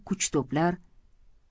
kuch to'plar